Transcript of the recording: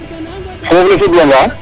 Foof le fudwanga